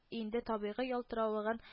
Инде табигый ялтыравыгын